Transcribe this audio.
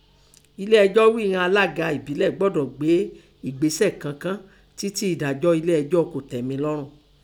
Inlé ẹjọ́ ghíi ìnan alága ẹ̀bílẹ̀ gbọdọ̀ gbé ìgbésẹ̀ kankàn títí ẹ̀dájọ́ ẹlé ẹjọ́ Kọ̀tẹ́milọ́rùn